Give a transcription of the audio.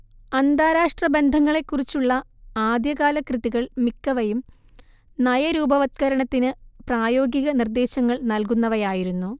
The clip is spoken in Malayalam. അന്താരാഷ്ട്രബന്ധങ്ങളെക്കുറിച്ചുള്ള ആദ്യകാലകൃതികൾ മിക്കവയും നയരൂപവത്കരണത്തിന് പ്രായോഗിക നിർദ്ദേശങ്ങൾ നൽകുന്നവയായിരുന്നു